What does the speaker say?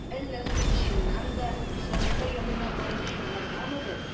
Әллә соң чыннан да, Сандра янына барып чыгаргамы бер?